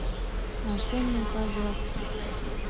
осенние поделки